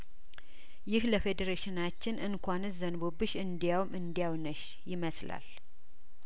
ይህ ለፌዴሬሽናችን እንኳንስ ዘንቦብሽ እንዲያውም እንዲያው ነሽ ይመስላል